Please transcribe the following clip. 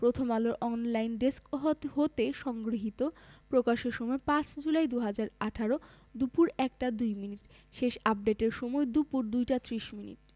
প্রথমআলোর online desk হতে সংগৃহীত প্রকাশের সময় ৫ জুলাই ২০১৮ দুপুর ১টা ২মিনিট শেষ আপডেটের সময় দুপুর ২টা ৩০ মিনিট